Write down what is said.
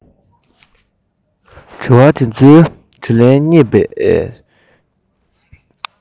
དྲི བ དེ ཚོའི དྲིས ལན རྙེད པའི